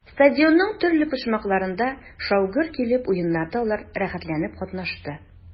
Стадионның төрле почмакларында шау-гөр килеп уеннарда алар рәхәтләнеп катнашты.